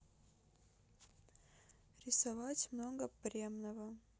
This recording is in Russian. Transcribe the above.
рисовать много премного